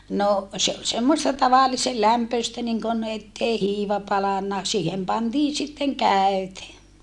no se oli semmoista tavallisen lämpöistä niin kuin että ei hiiva palanut siihen pantiin sitten käyte